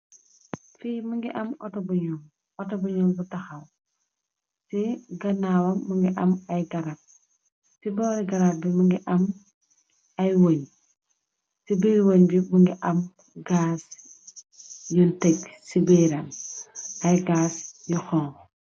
fii më ngi am auto buñul bu taxaw. ci gannaawa ay garab, ci boori garab bi më ngi am ay wëñ ci biir wëñ bi mu ngi am gaas yun tëg ci biiram ay gaas yu xom.